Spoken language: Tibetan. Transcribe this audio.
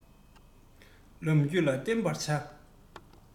ལམ རྒྱུད ལ བརྟེན པར བྱ